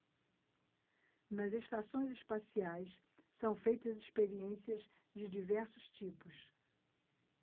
nas estações espaciais são feitas experiências de diversos tipos